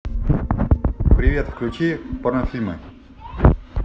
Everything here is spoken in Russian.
привет включи порнофильмы